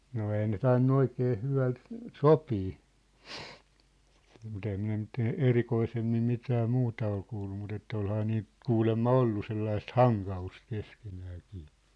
no ei ne tainnut oikein hyvällä sopia mutta enhän minä nyt - erikoisemmin mitään muuta ole kuullut mutta että olihan niillä kuulemma ollut sellaista hankausta keskenäänkin